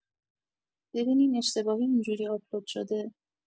ببینین اشتباهی اینجوری آپلود شده